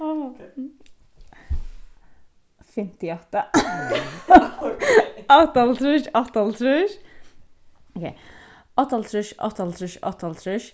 fimmtiátta áttaoghálvtrýss áttaoghálvtrýss ókey áttaoghálvtrýss áttaoghálvtrýss áttaoghálvtrýss